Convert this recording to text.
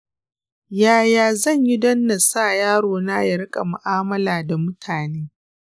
yaya zan yi don na sa yarona ya riƙa mu'amala da mutane?